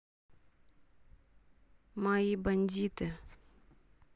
мои бандиты